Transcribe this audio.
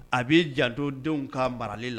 A b'i janto denw ka marali la.